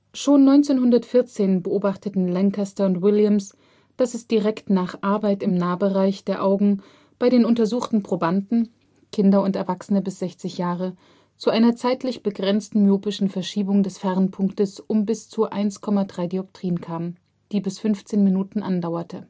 Schon 1914 beobachteten Lancaster und Williams, dass es direkt nach Arbeit im Nahbereich der Augen bei den untersuchten Probanden (Kinder und Erwachsene bis 60 Jahre) zu einer zeitlich begrenzten myopischen Verschiebung des Fernpunktes um bis zu −1,3 dpt kam, die bis 15 Minuten andauerte